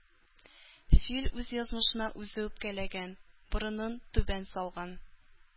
Фил үз язмышына үзе үпкәләгән, борынын түбән салган.